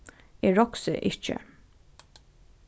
eg roksi ikki